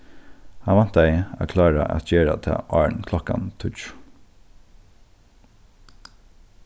hann væntaði at klára at gera tað áðrenn klokkan tíggju